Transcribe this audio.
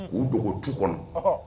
K'u dogon tu kɔnɔ.